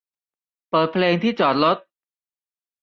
เปิดเพลงที่จอดรถ